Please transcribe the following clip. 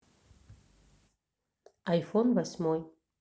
айфон восьмой